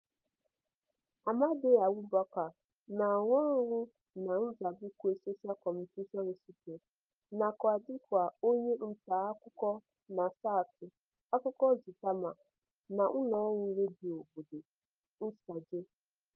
Amade Aoubacar na-arụ ọrụ na Mozambique Social Communication Institute nakwa dịka onye ntaakụkọ na saịtị akụkọ Zitamar na ụlọọrụ redio obodo, Nacedje.